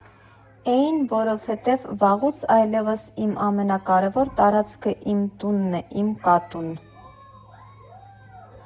Էին, որովհետև վաղուց այլևս իմ ամենակարևոր տարածքը իմ տունն է, իմ կատուն։